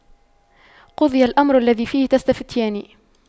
قُضِيَ الأَمرُ الَّذِي فِيهِ تَستَفِتيَانِ